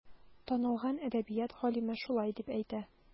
Танылган әдәбият галиме шулай дип әйтә.